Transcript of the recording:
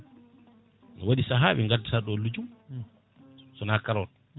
waɗi saaha min gaddatata ɗo lijum sowona carotte